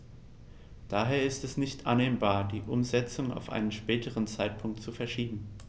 Daher ist es nicht annehmbar, die Umsetzung auf einen späteren Zeitpunkt zu verschieben.